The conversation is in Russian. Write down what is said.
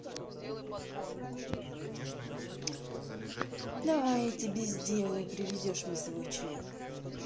давай я тебе сделаю привезешь мне свой член